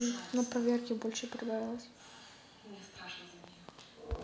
как сыграла россия в хоккей со словакией